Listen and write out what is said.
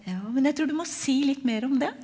ja, men jeg tror du må si litt mer om det.